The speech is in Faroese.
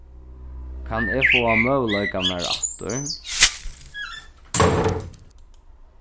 kann eg fáa møguleikarnar aftur